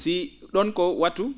si ?oon ko wattu